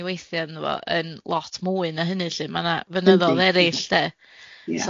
ei weithio ynddo fo yn lot mwy na hynny lly, ma' na fynyddoedd erill de.